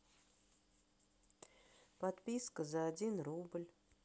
подписка за один рубль